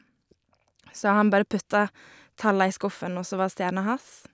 Så han bare putta tallene i skuffen, og så var stjernen hans.